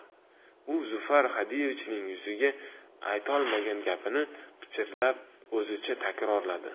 u zufar xodiyevichning yuziga aytolmagan gapini pichirlab o'zicha takrorladi